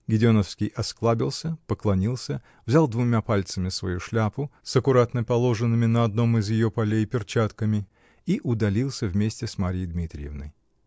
Гедеоновский осклабился, поклонился, взял двумя пальцами свою шляпу с аккуратно положенными на одном из ее полей перчатками и удалился вместе с Марьей Дмитриевной.